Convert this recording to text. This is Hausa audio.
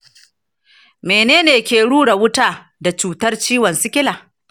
menene ke rura wuta da cutar ciwon sikila?